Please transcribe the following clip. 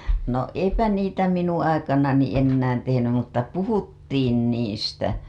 no eipä niitä minun aikanani enää tehnyt mutta puhuttiin niistä